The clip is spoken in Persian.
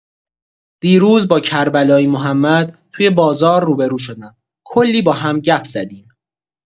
دیروز با کربلایی محمد توی بازار روبرو شدم، کلی با هم گپ زدیم.